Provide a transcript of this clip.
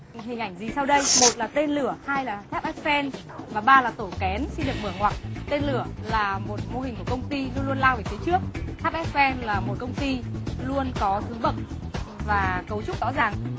hình ảnh gì sau đây một là tên lửa hai là tháp ép phen và ba là tổ kén xin được mở ngoặc tên lửa là một mô hình của công ty luôn luôn lao về phía trước tháp ép phen là một công ty luôn có thứ bậc và cấu trúc rõ ràng